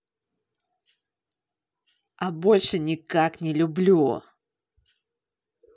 а больше никак не люблю